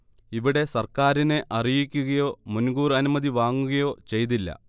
ഇവിടെ സർക്കാരിനെ അറിയിക്കുകയോ മുൻകൂർ അനുമതി വാങ്ങുകയോ ചെയ്തില്ല